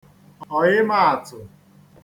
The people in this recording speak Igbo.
ọ̀yịmaātụ̀